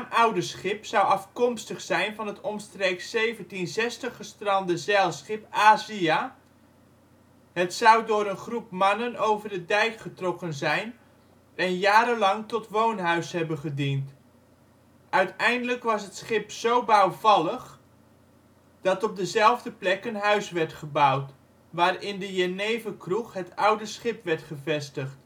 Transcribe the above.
Oudeschip zou afkomstig zijn van het omstreeks 1760 gestrande zeilschip Azia. Het zou door een groep mannen over de dijk getrokken zijn en jarenlang tot woonhuis hebben gediend. Uiteindelijk was het schip zo bouwvallig, dat op dezelfde plek een huis werd gebouwd, waarin de jeneverkroeg Het Oude Schip werd gevestigd